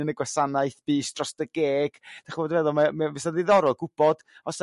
yn y gwasanaeth bys dros dy geg. Dach chi'mod be' dwi feddwl m- yrr mae e- bysa ddiddorol gwybod os